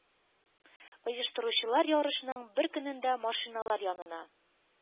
Оештыручылар ярышның бер көнендә машиналар янына